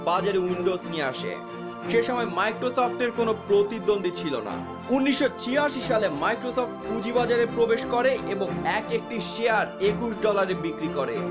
বাজারে উইন্ডোজ নিয়ে আসে সে সময় মাইক্রোসফট-এর কোন প্রতিদ্বন্দী ছিল না ১৯৮৬ সালে মাইক্রোসফট প্রবেশ করে এবং এক একটি শেয়ার ২১ ডলারে বিক্রি করে